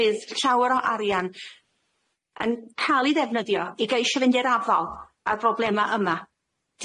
fydd llawer o arian yn ca'l 'i ddefnyddio i geisho fynd i'r afal â'r broblema' yma.